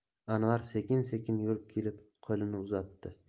anvar sekin sekin yurib kelib qo'lini uzatdi